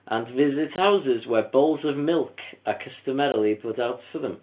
And visit houses where bowls of milk are customarily put out for them.